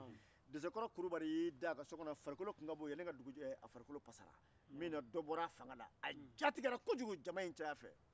desekɔrɔ kulubali y'i da a ka so kɔnɔ sani dugu ka jɛ dɔ bɔra a fanga sabu a ja tigɛra kojugu jama in caya fɛ